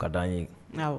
Ka' an ye